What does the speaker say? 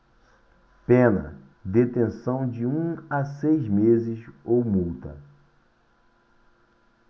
pena detenção de um a seis meses ou multa